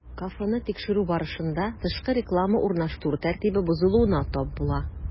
Кафены тикшерү барышында, тышкы реклама урнаштыру тәртибе бозылуына тап була.